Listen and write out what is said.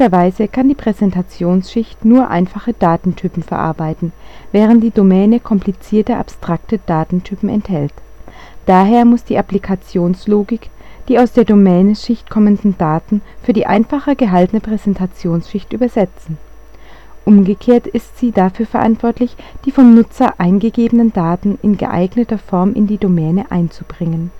kann die Präsentationsschicht nur einfache Datentypen verarbeiten, während die Domäne komplizierte abstrakte Datentypen enthält. Daher muss die Applikationslogik die aus der Domänenschicht kommenden Daten für die einfacher gehaltene Präsentationsschicht übersetzen. Umgekehrt ist sie dafür verantwortlich die vom Nutzer eingegebenen Daten in geeigneter Form in die Domäne einzubringen